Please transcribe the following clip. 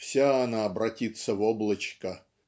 Вся она обратится в облачко